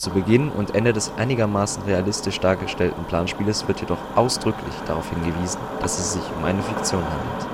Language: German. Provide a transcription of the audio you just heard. Beginn und Ende des einigermaßen realistisch dargestellten Planspieles wird jedoch ausdrücklich darauf hingewiesen, dass es sich um eine Fiktion handelt